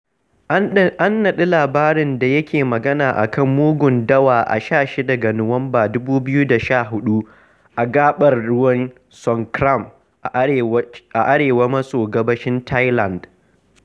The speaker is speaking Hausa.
An naɗi labarin da yake magana a kan mugun dawa a 16 ga Nuwamba, 2014 a gaɓar ruwan Songkram a arewa maso gabashin Thailand.